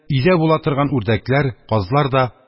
Өйдә була торган үрдәкләр, казлар да